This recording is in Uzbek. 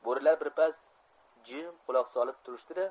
bo'rilar birpas jim quloq solib turishdi da